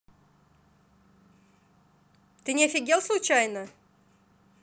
ты не офигел случайно